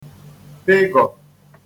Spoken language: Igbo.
-pịgọ̀